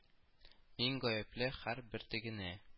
Мин гаепле һәр бөртегенә